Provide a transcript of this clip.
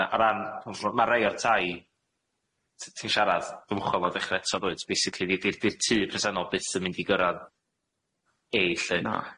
Na o ran ma' rai o'r tai t- ti'n siarad dymchwel a dechre eto dwyt, basically ni di'r di'r tŷ presennol byth yn mynd i gyrradd e lly.